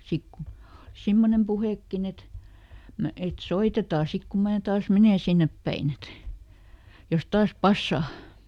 sitten kun oli semmoinen puhekin että - että soitetaan sitten kun minä taas menen sinne päin että jos taas passaa